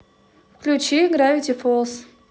включи гравити фоллс